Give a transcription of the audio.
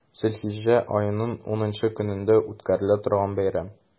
Зөлхиҗҗә аеның унынчы көнендә үткәрелә торган бәйрәм.